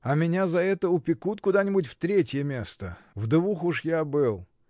А меня за это упекут куда-нибудь в третье место: в двух уж я был.